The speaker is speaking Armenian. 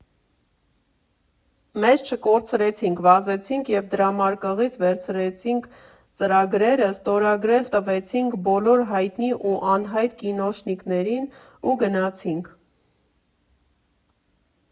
Մեզ չկորցրեցինք, վազեցինք և դրամարկղից վերցրեցինք ծրագրերը, ստորագրել տվեցինք բոլոր հայտնի ու անհայտ կինոշնիկներին ու գնացինք.